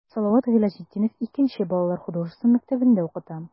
Салават Гыйләҗетдинов 2 нче балалар художество мәктәбендә укыта.